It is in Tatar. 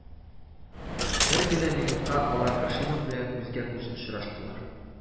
Бер генә минутка алар Кашимов белән күзгә-күз очраштылар